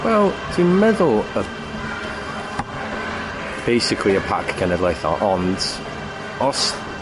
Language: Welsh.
Wel dwi'n meddwl y.... Basically y parc cenedlaethol ond, os